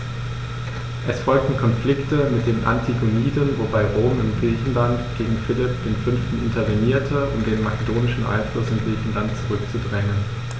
Es folgten Konflikte mit den Antigoniden, wobei Rom in Griechenland gegen Philipp V. intervenierte, um den makedonischen Einfluss in Griechenland zurückzudrängen.